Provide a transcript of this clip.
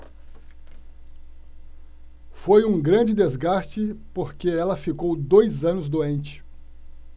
foi um grande desgaste porque ela ficou dois anos doente